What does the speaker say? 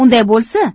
unday bo'lsa